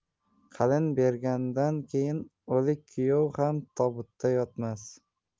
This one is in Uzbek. qalin bergandan keyin o'lik kuyov ham tobutda yotmas